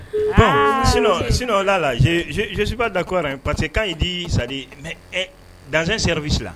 Bɔn sin ola la joosiba da ko pa parce que k'a ye di sadi dan serabisi